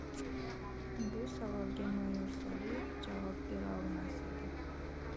bu savolga mayor soliev javob bera olmas edi